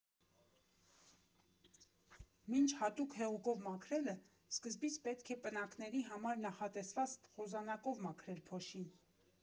Մինչ հատուկ հեղուկով մաքրելը, սկզբից պետք է պնակների համար նախատեսված խոզանակով մաքրել փոշին։